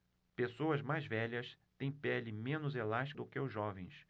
pessoas mais velhas têm pele menos elástica que os jovens